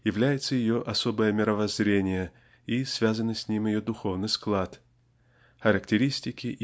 является ее особое мировоззрение и связанный с ним ее духовный склад. Характеристике